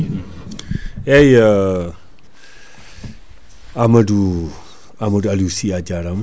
eyyi Amadou Amadou Aliou Sy ajaarama